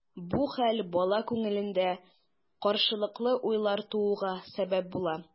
Бу хәл бала күңелендә каршылыклы уйлар тууга сәбәп була.